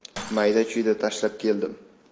mayda chuyda tashlab keldim